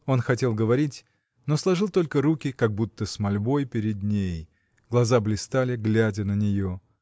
Он хотел говорить, но сложил только руки, как будто с мольбой, перед ней. Глаза блистали, глядя на нее.